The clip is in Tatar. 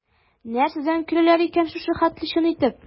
Нәрсәдән көләләр икән шушы хәтле чын итеп?